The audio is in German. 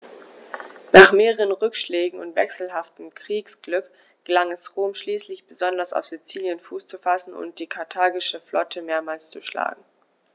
Nach mehreren Rückschlägen und wechselhaftem Kriegsglück gelang es Rom schließlich, besonders auf Sizilien Fuß zu fassen und die karthagische Flotte mehrmals zu schlagen.